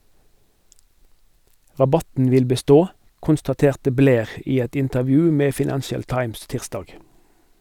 - Rabatten vil bestå, konstaterte Blair i et intervju med Financial Times tirsdag.